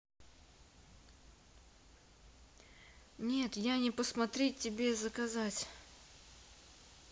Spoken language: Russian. нет я не посмотри тебе заказать